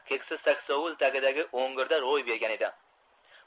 keksa saksovul tagidagi o'ngirda ro'y bergan edi